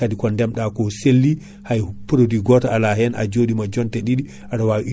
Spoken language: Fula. ha ko wiyate kaadi gueɗe goɗɗe dimboji en